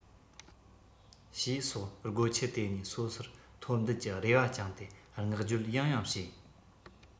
ཞེས སོགས སྒོ ཁྱི དེ གཉིས སོ སོར འཐོབ འདོད ཀྱི རེ བ བཅངས ཏེ བསྔགས བརྗོད ཡང ཡང བྱས